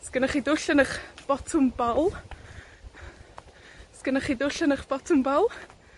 'Sgennoch chi dwll yn 'ych botwm bol? 'Sgennoch chi dwll yn 'ych botwm bol?